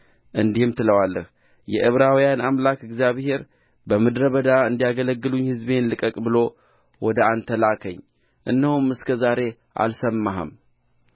እንዲህም ትለዋለህ የዕብራውያን አምላክ እግዚአብሔር በምድረ በዳ እንዲያገለግሉኝ ሕዝቤን ልቀቅ ብሎ ወደ አንተ ላከኝ እነሆም እስከ ዛሬ አልሰማህም